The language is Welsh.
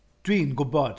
Dwi'n gwybod.